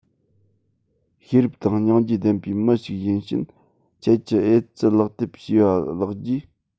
ཤེས རབ དང སྙིང རྗེ ལྡན པའི མི ཞིག ཡིན ཕྱིན ཁྱེད ཀྱི ཨེ ཙི ལག དེབ ཅེས པ བཀླགས རྗེས